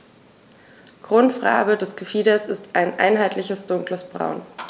Grundfarbe des Gefieders ist ein einheitliches dunkles Braun.